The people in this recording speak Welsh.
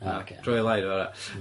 Ocê draw your line over there.